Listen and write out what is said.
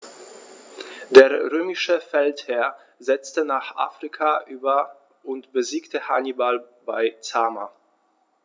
Der römische Feldherr setzte nach Afrika über und besiegte Hannibal bei Zama.